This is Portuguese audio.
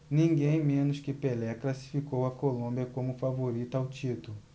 ninguém menos que pelé classificou a colômbia como favorita ao título